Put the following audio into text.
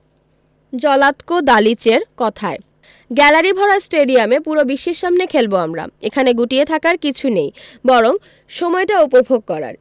Zlatko দালিচের কথায় গ্যালারিভরা স্টেডিয়ামে পুরো বিশ্বের সামনে খেলব আমরা এখানে গুটিয়ে থাকার কিছু নেই বরং সময়টা উপভোগ করার